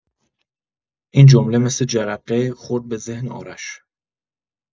این جمله مثل جرقه خورد به ذهن آرش.